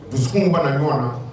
Dusuw ban na ɲɔgɔn na.